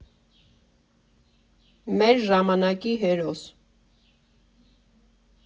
Մեր ժամանակի հերոս։